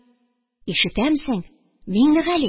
Ишетәмсең, Миңнегали?